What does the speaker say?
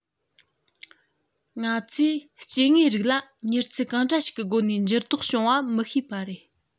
ང ཚོས སྐྱེ དངོས རིགས ལ མྱུར ཚད གང འདྲ ཞིག གི སྒོ ནས འགྱུར ལྡོག བྱུང བ མི ཤེས པ རེད